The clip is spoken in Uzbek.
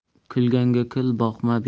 kulganga kula boqma